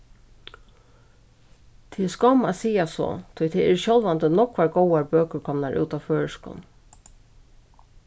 tað er skomm at siga so tí tað eru sjálvandi nógvar góðar bøkur komnar út á føroyskum